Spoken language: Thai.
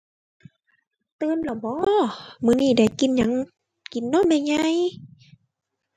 ตื่นละบ่ มื้อนี้ได้กินหยังกินน้อ แม่ใหญ่